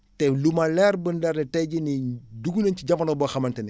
te lu ma leer ba leer ne tey jii nii dugg nañ ci jamono boo xamante ne